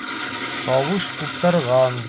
Тавыш куптарган.